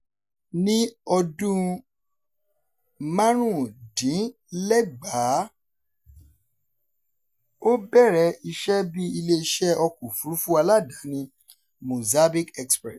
Ní 1995, ó bẹ̀rẹ̀ iṣẹ́ bíi ilé-iṣẹ́ ọkọ̀ òfuurufú aládàáni , Mozambique Express.